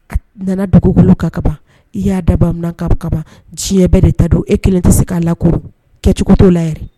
Nana dugukolo ka kaban i y'a da bamanan ka kaban diɲɛ bɛɛ de ta don e kelen tɛ se k'a lakoro kɛcogo t'o la